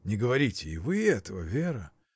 — Не говорите и вы этого, Вера.